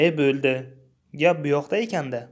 e bo'ldi gap buyoqda ekan da